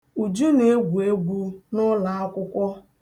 Uju na-egwu egwu n'ụlọakwụkwọ.